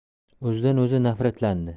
o'zidan o'zi nafratlandi